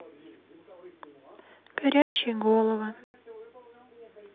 горячие головы